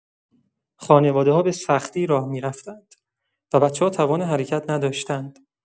خانواده‌ها به‌سختی راه می‌رفتند و بچه‌ها توان حرکت نداشتند.